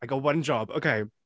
I got one job, okay.